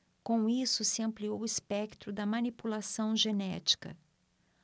com isso se ampliou o espectro da manipulação genética